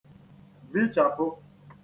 vichàpu